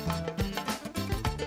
San